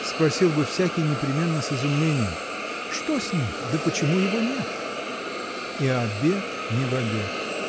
– спросил бы всякий непременно с изумлением. – Что с ним? да почему его нет? И обед не в обед.